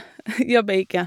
Jobber ikke.